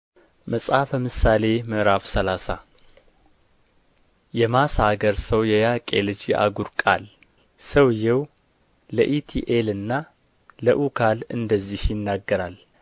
መጽሐፈ ምሳሌ ምዕራፍ ሰላሳ የማሣ አገር ሰው የያቄ ልጅ የአጉር ቃል ሰውየው ለኢቲኤልና ለኡካል እንደዚህ ይናገራል